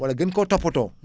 wala gën koo toppatoo